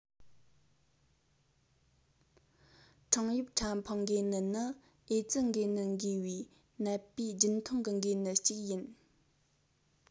ཕྲེང དབྱིབས ཕྲ ཕུང འགོས ནད ནི ཨེ ཙི འགོས ནད འགོས པའི ནད པའི རྒྱུན མཐོང གི འགོས ནད ཅིག ཡིན